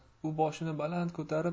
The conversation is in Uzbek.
u boshini baland ko'tarib